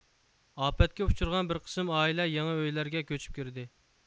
ئاپەتكە ئۇچرىغان بىر قىسىم ئاھالە يېڭى ئۆيلەرگە كۆچۈپ كىردى